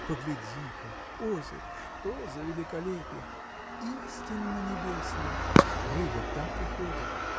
Погляди-ка, озеро: что за великолепие! истинно небесное! рыба так и ходит